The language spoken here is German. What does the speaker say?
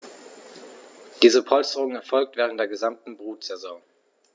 Diese Polsterung erfolgt während der gesamten Brutsaison.